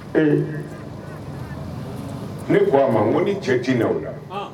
Ee! Ne ko a ma n ko ni cɛ tɛ na o